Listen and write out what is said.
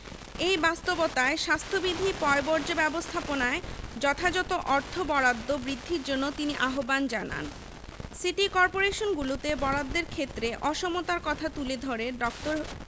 এই বাস্তবতায় স্বাস্থ্যবিধি পয়ঃবর্জ্য ব্যবস্থাপনায় যথাযথ অর্থ বরাদ্দ বৃদ্ধির জন্য তিনি আহ্বান জানান সিটি করপোরেশনগুলোতে বরাদ্দের ক্ষেত্রে অসমতার কথা তুলে ধরে ড.